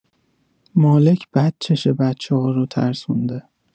مالک بد چش بچه هارو ترسونده